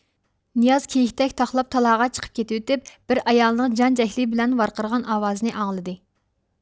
نىياز كىيىكتەك تاقلاپ تالاغا چىقىپ كېتىۋېتىپ بىر ئايالنىڭ جان جەھلى بىلەن ۋارقىرىغان ئاۋازىنى ئاڭلىدى